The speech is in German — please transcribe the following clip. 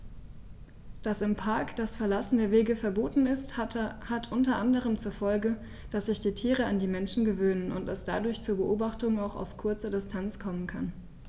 Dass im Park das Verlassen der Wege verboten ist, hat unter anderem zur Folge, dass sich die Tiere an die Menschen gewöhnen und es dadurch zu Beobachtungen auch auf kurze Distanz kommen kann.